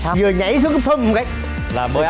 vừa nhảy xuống phầm cái là bời óc